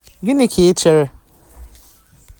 Gịnị ka ị chere?